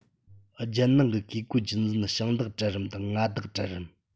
རྒྱལ ནང གི བཀས བཀོད རྒྱུད འཛིན ཞིང བདག གྲལ རིམ དང མངའ བདག གྲལ རིམ